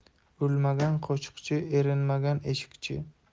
o'lmagan qo'shiqchi erinmagan eshikchi